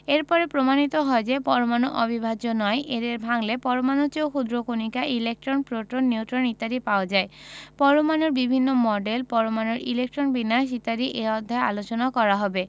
এর পরে প্রমাণিত হয় যে পরমাণু অবিভাজ্য নয় এদের ভাঙলে পরমাণুর চেয়েও ক্ষুদ্র কণিকা ইলেকট্রন প্রোটন নিউট্রন ইত্যাদি পাওয়া যায় পরমাণুর বিভিন্ন মডেল পরমাণুর ইলেকট্রন বিন্যাস ইত্যাদি এ অধ্যায়ে আলোচনা করা হবে